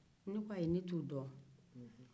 ne ko ayi ne tu dɔn